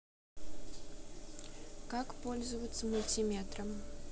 как пользоваться мультиметром